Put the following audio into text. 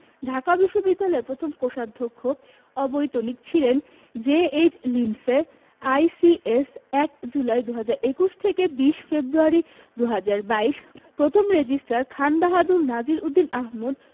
ঢাকা বিশ্ববিদ্যালয়ের প্রথম কোষাধ্যক্ষ অবৈতনিক ছিলেন জে.এইচ লিন্ডসে আইসিএস ১ জুলাই ১৯২১ থেকে ২০ ফেব্রুয়ারি ১৯২২ প্রথম রেজিস্ট্রার খানবাহাদুর নাজির উদ্দিন আহমদ